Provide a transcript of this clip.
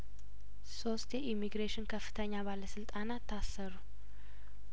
ሶስት የኢምግሬሽን ከፍተኛ ባለስልጣናት ታሰሩ